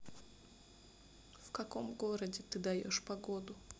в каком городе ты даешь погоду